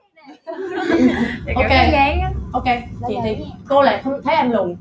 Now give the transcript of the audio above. ô kê ô kê cô lại thấy em lùn